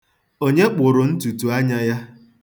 Onye kpụrụ ntụ̀tụ̀anya ya?